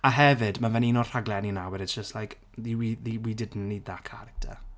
A hefyd ma' fe'n un o'r rhaglenni na where it's just like "we didn't need that character".